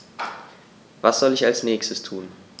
Was soll ich als Nächstes tun?